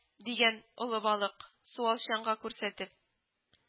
- дигән олы балык, суалчанга күрсәтеп